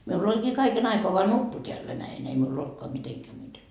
minulla olikin kaiken aikaa vain nuppu täällä näin ei minulla ollutkaan mitenkään muuten